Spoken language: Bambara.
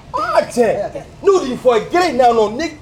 De fɔ